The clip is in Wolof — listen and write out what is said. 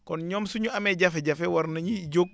kon ñoom su ñu amee jafe-jafe war nañuy jóg